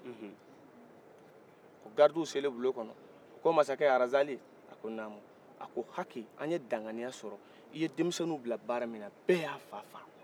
unhun garidiw selen bulon kɔnɔ ko masakɛ razali a ko naamu a ko hake an ye danganiya sɔrɔ i ye dɛmisɛnninw bila baara min na bɛɛ y'a fa faga